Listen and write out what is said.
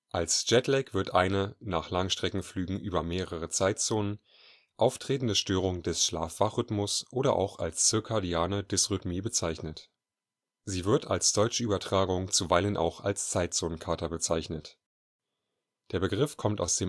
Als Jetlag (aus dem Englischen von jet ‚ Düsenflugzeug ‘und lag ‚ Zeitdifferenz ‘) wird eine nach Langstreckenflügen über mehrere Zeitzonen auftretende Störung des Schlaf-Wach-Rhythmus (circadiane Dysrhythmie – circadiane Rhythmik) bezeichnet. Sie wird als deutsche Übertragung zuweilen auch als Zeitzonenkater bezeichnet. Jetlag